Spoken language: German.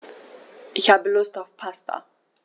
Ich habe Lust auf Pasta.